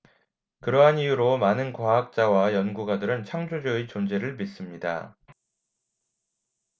그러한 이유로 많은 과학자와 연구가들은 창조주의 존재를 믿습니다